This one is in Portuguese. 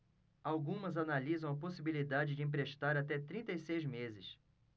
algumas analisam a possibilidade de emprestar até trinta e seis meses